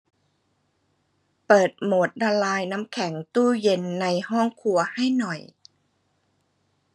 เปิดโหมดละลายน้ำแข็งตู้เย็นในห้องครัวให้หน่อย